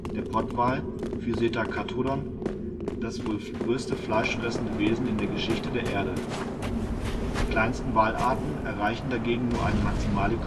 der Pottwal (Physeter catodon) das wohl größte fleischfressende Wesen in der Geschichte der Erde. Die kleinsten Walarten erreichen dagegen nur eine maximale